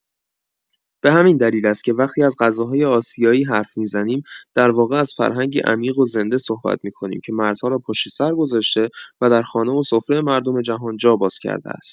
به همین دلیل است که وقتی از غذاهای آسیایی حرف می‌زنیم، در واقع از فرهنگی عمیق و زنده صحبت می‌کنیم که مرزها را پشت‌سر گذاشته و در خانه و سفره مردم جهان جا باز کرده است.